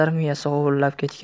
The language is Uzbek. miyasi g'uvillab ketgan